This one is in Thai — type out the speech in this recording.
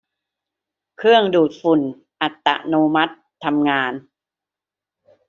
เครื่องดูดฝุ่นอัตโนมัติทำงาน